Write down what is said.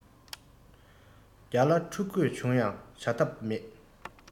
བརྒྱ ལ འཁྲུག དགོས བྱུང ཡང བྱ ཐབས མེད